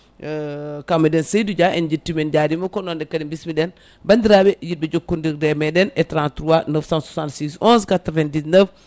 kaw meɗen Seydou Dia en jettimo jarimo ko noonne kadi bismiɗen bandiraɓe yidɓe jokkodirde e meɗen e 33 966 11 99